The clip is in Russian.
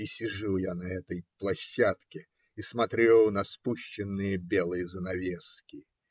И сижу я на этой площадке и смотрю на спущенные белые занавески.